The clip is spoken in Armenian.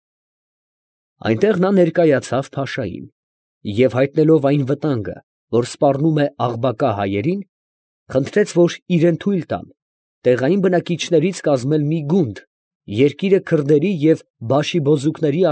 Այնտեղ նա ներկայացավ փաշային, և հայտնելով այն վտանգը, որ սպառնում է Աղբակա հայերին, խնդրեց, որ իրան թույլ տան՝ տեղային բնակիչներից կազմել մի գունդ՝ երկիրը քրդերի և բաշիբոզուկների։